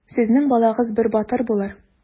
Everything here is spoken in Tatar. Сезнең балагыз бер батыр булыр.